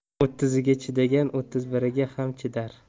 o'ttiziga chidagan o'ttiz biriga ham chidar